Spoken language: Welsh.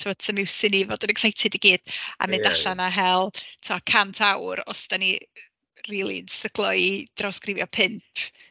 Tibod 'sna'm iws i ni fod yn excited i gyd a mynd allan a hel tibod cant awr os dan ni rili'n stryglo i drawsgrifio pump.